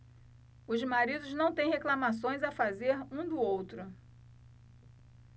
os maridos não têm reclamações a fazer um do outro